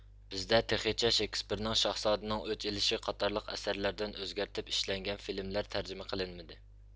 بىزدە تېخىچە شېكېسپېرنىڭ شاھزادىنىڭ ئۆچ ئېلىشى قاتارلىق ئەسەرلىرىدىن ئۆزگەرتىپ ئىشلەنگەن فىلىملەر تەرجىمە قىلىنمىدى